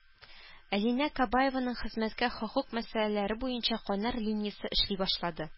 Алинә Кабаеваның хезмәткә хокук мәсьәләләре буенча кайнар линиясе эшли башлады